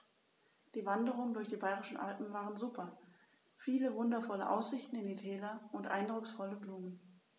Die Wanderungen durch die Bayerischen Alpen waren super. Viele wundervolle Aussichten in die Täler und eindrucksvolle Blumen.